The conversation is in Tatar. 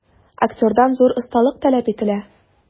Актердан зур осталык таләп ителә.